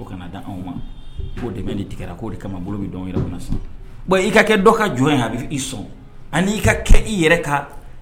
I ka kɛ ka jɔn sɔn kɛ i yɛrɛ